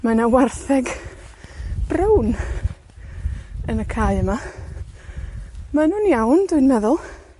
Mae 'na wartheg brown yn y cae yma. Ma' nw'n iawn, dwi'n meddwl.